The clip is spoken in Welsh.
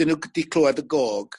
ydyn n'w cy- di clŵad y gog